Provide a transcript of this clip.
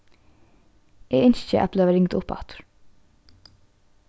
eg ynski at blíva ringd upp aftur